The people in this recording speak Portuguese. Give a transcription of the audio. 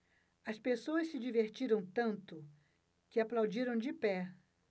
as pessoas se divertiram tanto que aplaudiram de pé